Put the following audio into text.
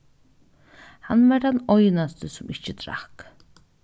hann var tann einasti sum ikki drakk